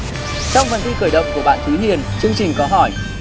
trong phần thi khởi động của bạn thúy hiền chương trình có hỏi